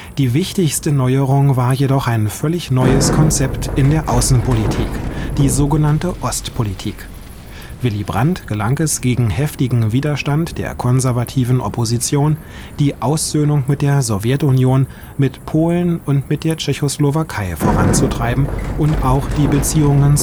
Die wichtigste Neuerung war jedoch ein völlig neues Konzept in der Außenpolitik: die so genannte Ostpolitik. Willy Brandt gelang es gegen heftigen Widerstand der konservativen Opposition, die Aussöhnung mit der Sowjetunion, mit Polen und mit der Tschechoslowakei voranzutreiben und auch die Beziehungen